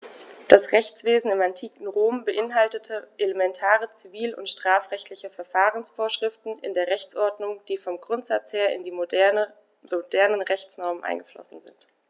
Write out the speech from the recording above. Das Rechtswesen im antiken Rom beinhaltete elementare zivil- und strafrechtliche Verfahrensvorschriften in der Rechtsordnung, die vom Grundsatz her in die modernen Rechtsnormen eingeflossen sind.